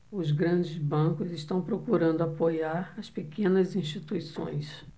os grandes bancos estão procurando apoiar as pequenas instituições